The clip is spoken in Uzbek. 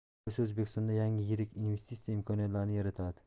bu esa o'zbekistonda yangi yirik investitsiya imkoniyatlarini yaratadi